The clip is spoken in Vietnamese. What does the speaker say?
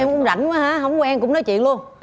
em cũng rảnh quá ha hông quen cũng nói chuyện luôn